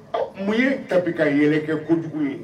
Ɔ mun ye tabi ka yɛrɛ kɛ ko kojugu ye